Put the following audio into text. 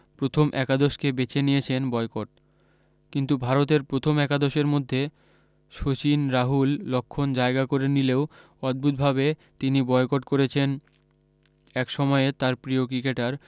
প্রথম একাদশকে বেছে নিয়েছেন বয়কট কিন্তু ভারতের প্রথম একাদশের মধ্যে শচিন রাহুল লক্ষ্মণ জায়গা করে নিলেও অদ্ভুত ভাবে তিনি বয়কট করেছেন একসময়ে তার প্রিয় ক্রিকেটার